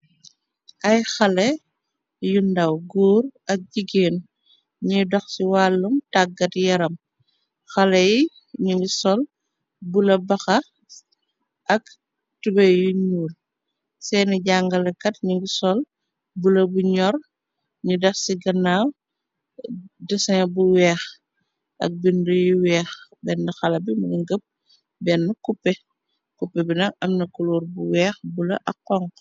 Ay xale yu ndaw goor ak jigeen ñiy dox ci wàllum tàggat yaram xale yi ñingi sol bula baxa ak tube yu ñuul seeni jàngalakat ñingi sol bula bu ñor ni dax ci gannaaw desin bu weex ak bindu yu weex benn xale bi mu ngëppe ben cupe bina amna kuluur bu weex bula ak xoŋku.